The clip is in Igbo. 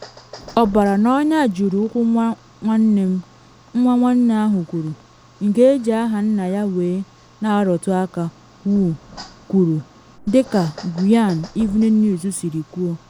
“Ọbara na ọnya juru ụkwụ nwa nwanne m,” nwa nwanne ahụ kwuru, nke eji aha nna ya wee na arụtụ aka “Wu,” kwuru, dị ka Guiyan Evening News siri kwuo.